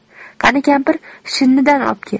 qani kampir shinnidan opke